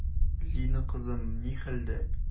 Лина кызым ни хәлдә?